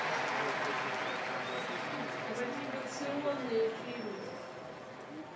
мотивационные фильмы